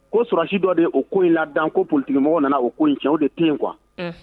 Ko susi dɔ de o ko in la dan ko ptigimɔgɔ nana o ko cɛw o de ten yen kuwa